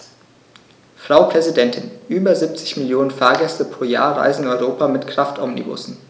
Frau Präsidentin, über 70 Millionen Fahrgäste pro Jahr reisen in Europa mit Kraftomnibussen.